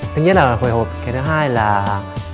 thứ nhất là hồi hộp cái thứ hai là